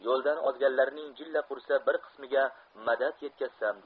yo'ldan ozganlarning jilla qursa bir kismiga madad yetkazsam